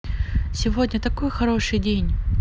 сегодня такой хороший день